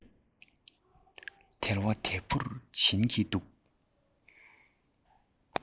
དལ བ དལ བུར འབྱིད བཞིན འདུག